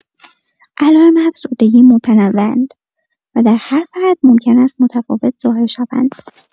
علائم افسردگی متنوع‌اند و در هر فرد ممکن است متفاوت ظاهر شوند.